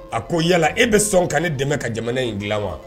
A ko yala e bɛ sɔn ka ne dɛmɛ ka jamana in dilan wa ?